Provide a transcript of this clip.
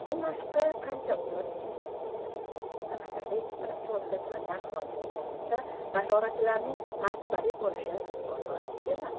ta'magirlik bosh a'mol bo'lgan hozirgi jamiyatda bashoratchilarning martabali bo'lishi oson ish emas